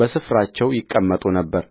በሰፈራቸው ይቀመጡ ነበር